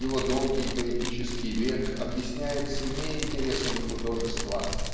его долгий поэтический век объясняется не интересами художества